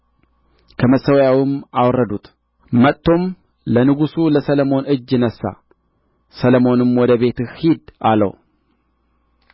ከመሠዊያውም አወረዱት መጥቶም ለንጉሡ ለሰሎሞን እጅ ነሣ ሰሎሞንም ወደ ቤትህ ሂድ አለው